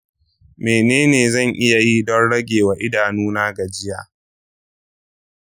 mene ne zan iya yi don rage wa idanuna gajiya?